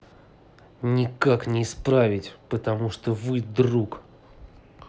никак не исправить потому что вы друг